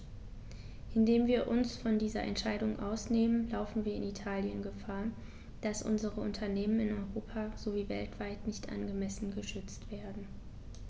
Indem wir uns von dieser Entscheidung ausnehmen, laufen wir in Italien Gefahr, dass unsere Unternehmen in Europa sowie weltweit nicht angemessen geschützt werden.